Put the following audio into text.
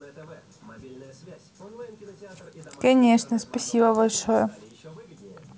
конечно спасибо большое